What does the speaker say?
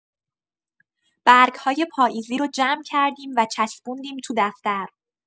برگ‌های پاییزی رو جمع کردیم و چسبوندیم تو دفتر.